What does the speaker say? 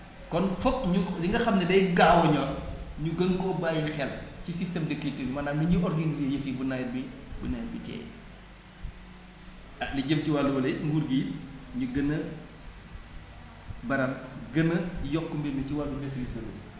kon fokk ñu li nga xam ne day gaaw a ñor ñu gën ko bàyyi xel ci système de culture maanaam ni ñuy organiser yëf yi bu nawet bi bu nawet bi jeexee ah li jëm ci wàll bële it nguur gi ñu gën a baral gën a yokk mbir mi ci wàllu maitrise de l' eau